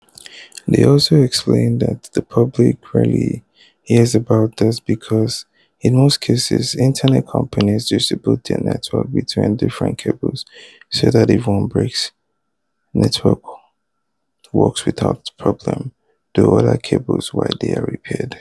They also explain that the public rarely hears about these because, in most cases, internet companies distribute their networks between different cables so that if one breaks, networks work without problems through other cables while they are repaired.